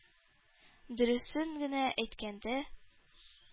Дөресен генә әйткәндә,